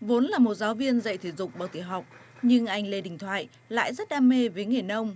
vốn là một giáo viên dạy thể dục bậc tiểu học nhưng anh lê đình thoại lại rất đam mê với nghề nông